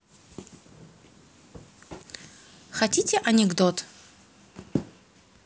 хотите анекдот